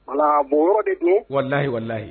Ala bon yɔrɔ de don wali ye wala ye